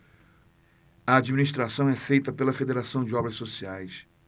a administração é feita pela fos federação de obras sociais